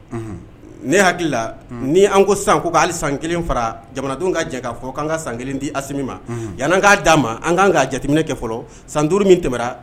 Unhun, ne hakili la, ni an ko sisan ko hali san kelen fara jamanadenw ka jɛ k'a fɔ k'an ka san kelen di Asimi ma, unhun, yanni n k'a d'a ma an kan ka jateminɛ kɛ fɔlɔ san duuru min tɛmɛna